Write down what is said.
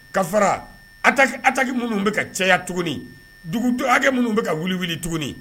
Ka fara a taki minnu bɛ ka cayaya tuguni dugu hakɛkɛ minnu bɛ ka wuli wuli tuguni